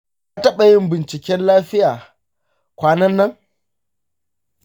ka taba yin binciken lafiya kwanan nan?